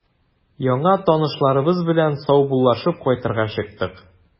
Яңа танышларыбыз белән саубуллашып, кайтырга чыктык.